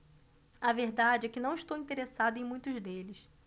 a verdade é que não estou interessado em muitos deles